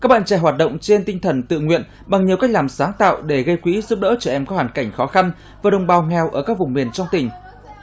các bạn trẻ hoạt động trên tinh thần tự nguyện bằng nhiều cách làm sáng tạo để gây quỹ giúp đỡ trẻ em có hoàn cảnh khó khăn với đồng bào nghèo ở các vùng miền trong tỉnh